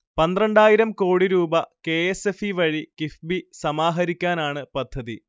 പന്ത്രണ്ടായിരം കോടിരൂപ K. S. F. E വഴി കിഫ്ബി സമാഹരിക്കാനാണ് പദ്ധതി